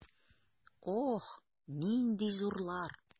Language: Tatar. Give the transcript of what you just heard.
Ох, нинди зурлар!